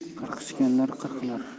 qirqishganlar qirqilar